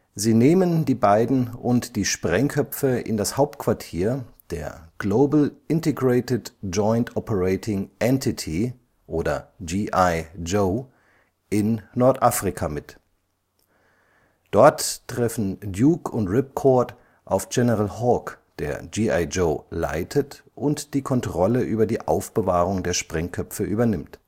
Sie nehmen die beiden und die Sprengköpfe in das Hauptquartier der Global Integrated Joint Operating Entity (G.I. JOE) in Nordafrika mit. Dort treffen Duke und Ripcord auf General Hawk, der G.I. Joe leitet und die Kontrolle über die Aufbewahrung der Sprengköpfe übernimmt